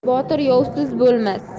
botir yovsiz bo'lmas